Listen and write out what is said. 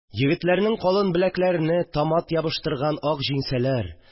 Егетләрнең калын беләкләрене тамат ябыштырган ак җиңсәләр